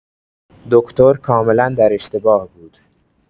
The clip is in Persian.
دکتر کاملا در اشتباه بود.